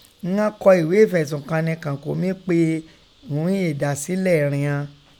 Ighọ́n kọ ìghé ìfẹ̀sùnkànni kan kó mí pè ún ẹ̀dásílẹ̀ rin ọn